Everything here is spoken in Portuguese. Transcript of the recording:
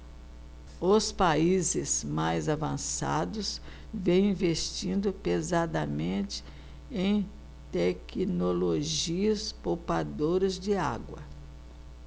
os países mais avançados vêm investindo pesadamente em tecnologias poupadoras de água